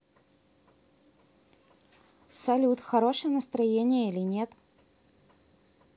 салют хорошее настроение или нет